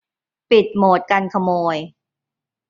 ปิดโหมดกันขโมย